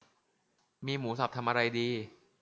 มีหมูสับทำอะไรดี